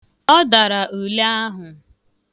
Ọ dara ule ahụ.